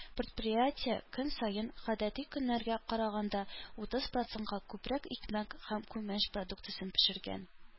Предприятие көн саен, гадәти көннәргә караганда, утыз процентка күбрәк икмәк һәм күмәч продукциясен пешергән.